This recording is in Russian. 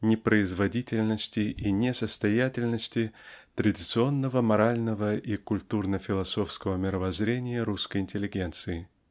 непроизводительности и несостоятельности традиционного морального и культурно-философского мировоззрения русской интеллигенции.